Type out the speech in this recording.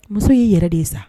Muso'i yɛrɛ de zan